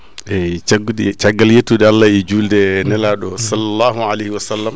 eyyi caggude caggal yettude Allah e julde nelaɗo sallallahu aleyhi wa sallam